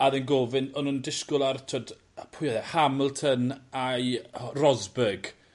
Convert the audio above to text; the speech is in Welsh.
a o'dd e'n gofyn o'n nw'n disgwl ar pwy o'dd e Hamilton ai o Rosborg.